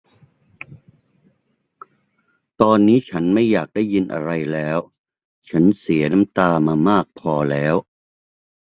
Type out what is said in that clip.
ตอนนี้ฉันไม่อยากได้ยินอะไรแล้วฉันเสียน้ำตามามากพอแล้ว